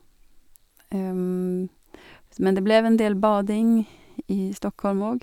s Men det ble en del bading i Stockholm òg.